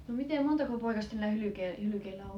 no miten montako poikasta sillä - hylkeellä on